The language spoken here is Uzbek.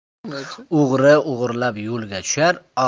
o'g'ri o'g'irlab yo'lga tushar